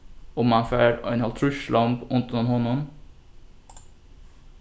og mann fær eini hálvtrýss lomb undan honum